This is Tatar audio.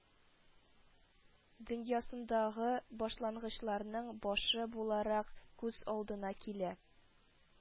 Дөньясындагы башлангычларның башы буларак күз алдына килә